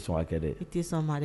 Te